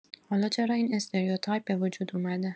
حالا چرا این استریوتایپ به وجود اومده؟